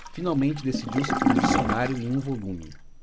finalmente decidiu-se por um dicionário em um volume